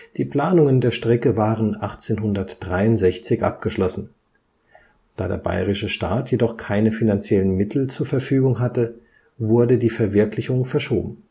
Die Planungen der Strecke waren 1863 abgeschlossen. Da der bayerische Staat jedoch keine finanziellen Mittel zur Verfügung hatte, wurde die Verwirklichung verschoben